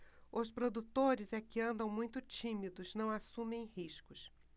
os produtores é que andam muito tímidos não assumem riscos